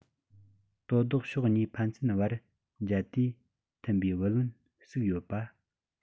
དོ བདག ཕྱོགས གཉིས ཕན ཚུན བར འཇལ དུས ཐིམ པའི བུ ལོན ཟུག ཡོད པ